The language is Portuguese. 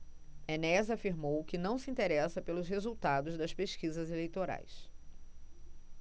enéas afirmou que não se interessa pelos resultados das pesquisas eleitorais